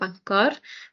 bangor.